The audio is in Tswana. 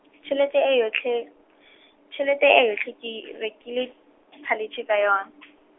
tshelete e yotlhe , tshelete e yotlhe ke rekile, phalitshe ka yona .